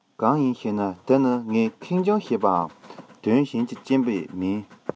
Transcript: གང ཡིན ཞེ ན དེ ནི ངས ཁེངས སྐྱུང བྱས པའམ དོན གཞན གྱི རྐྱེན པས མིན